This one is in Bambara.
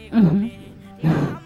Un